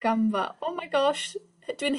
Gamfa oh my gosh h- dwi'n...